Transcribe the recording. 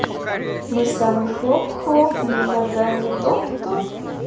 мы сами хлоп хлоп мы ногами топ топ